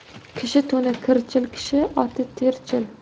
kishi to'ni kirchil kishi oti terchil